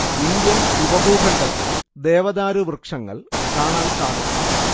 Indian ഉപഭൂഖണ്ഡത്തിൽ ദേവദാരു വൃക്ഷങ്ങൾ കാണാൻ സാധിക്കില്ല